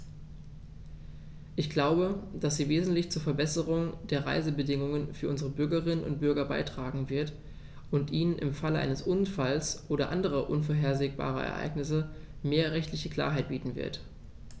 Ich glaube, dass sie wesentlich zur Verbesserung der Reisebedingungen für unsere Bürgerinnen und Bürger beitragen wird, und ihnen im Falle eines Unfalls oder anderer unvorhergesehener Ereignisse mehr rechtliche Klarheit bieten wird.